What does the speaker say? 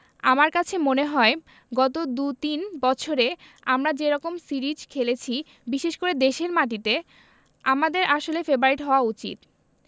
আমার কাছে মনে হয় গত দু তিন বছরে আমরা যে রকম সিরিজ খেলেছি বিশেষ করে দেশের মাটিতে আমাদের আসলে ফেবারিট হওয়া উচিত